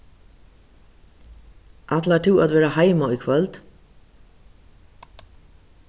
ætlar tú at verða heima í kvøld